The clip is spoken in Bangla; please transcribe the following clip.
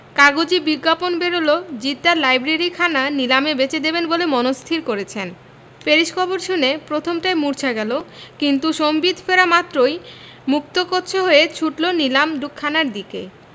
কাগজে বিজ্ঞাপন বেরল জিদ তাঁর লাইব্রেরিখানা নিলামে বেচে দেবেন বলে মনস্থির করেছেন প্যারিস খবর শুনে প্রথমটায় মুর্ছা গেল কিন্তু সম্বিত ফেরা মাত্রই মুক্তকচ্ছ হয়ে ছুটল নিলাম খানার দিকে